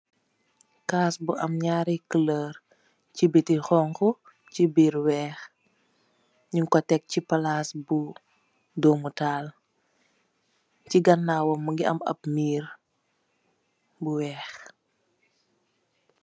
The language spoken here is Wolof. Kaas bu am nyari koloor che bete xonxo che birr weex nugku tek se plass bu domu taal che ganawam muge ameh ab werr bu weex.